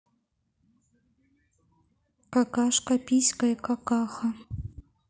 какашка писька и какаха